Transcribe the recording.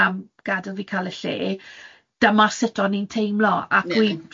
am gadael fi cael y lle, dyma sut o'n i'n teimlo, ac 'wi'n... Ie